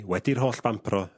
...wedi'r holl bampro